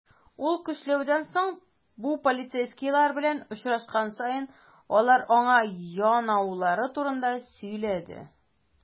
Ул, көчләүдән соң, бу полицейскийлар белән очрашкан саен, алар аңа янаулары турында сөйләде.